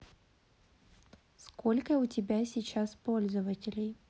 сколько у тебя сейчас пользователей